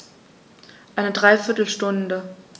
Eine dreiviertel Stunde